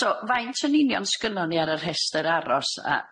So faint yn union sgynnon ni ar y rhestyr aros a